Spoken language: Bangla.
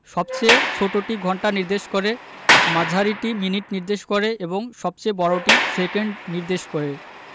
সবচেয়ে ছোটটি ঘন্টা নির্দেশ করে মাঝারিটি মিনিট নির্দেশ করে এবং সবচেয়ে বড়টি সেকেন্ড নির্দেশ করে